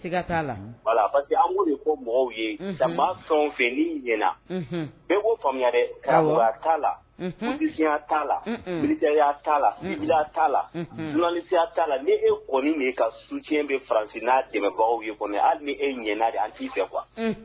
An' ko mɔgɔw ye fɛn fɛ n' ɲɛna bɛɛ b'o faamuyaya kara t ta la kisiya t ta la biya t' la' lasiya t'a la nie kɔniɔni min ka su tiɲɛ bɛ faranfin n'a tɛmɛbagaw ye kɔnɔ hali ni e ɲɛ de an t'i fɛ wa